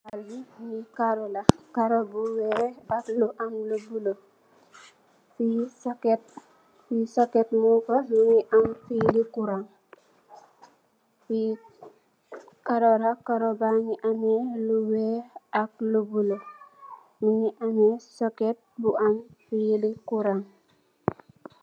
Fii karro lah, karro bangi ameh lu weeh ak lu buleuh, mungi ameh socket bu am fiili kurang.